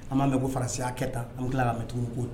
An b'a mɛn ko faraya kɛ tan an tila lammɛ tun ko ten